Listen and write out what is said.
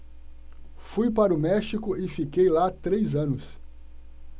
fui para o méxico e fiquei lá três anos